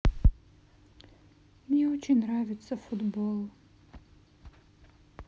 мне очень нравится футбол